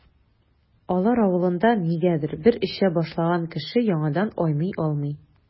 Алар авылында, нигәдер, бер эчә башлаган кеше яңадан айный алмый.